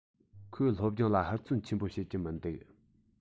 ཁོས སློབ སྦྱོང ལ ཧུར བརྩོན ཆེན པོ བྱེད ཀྱི མི འདུག